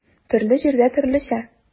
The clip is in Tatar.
Төрле җирдә төрлечә.